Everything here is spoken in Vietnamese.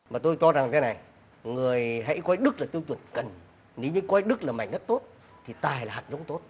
mà tôi cho rằng cái này người hãy có đức là tiêu chuẩn cần nếu như coi đức là mảnh đất tốt thì tài là hạt giống tốt